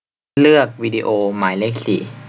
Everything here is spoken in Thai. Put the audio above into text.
เลือกวิดีโอหมายเลขสี่